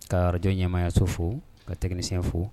Kayɔrɔj ɲɛmaayaso fo ka tɛmɛiyɛn fo